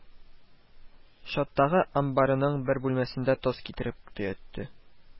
Чаттагы амбарының бер бүлмәсенә тоз китереп төятте